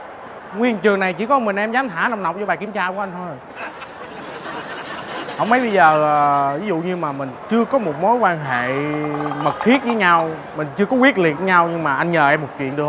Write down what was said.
nguyên trường này chỉ có mình em dám thả nòng nọc vào bài kiểm tra của anh thôi không mấy bây giờ ví dụ như mà mình chưa có một mối quan hệ mật thiết với nhau mình chưa có quyết liệt với nhau mà anh nhờ em một chuyện được